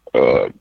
H